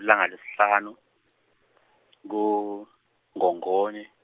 lilanga lesihlanu ku Ngongoni.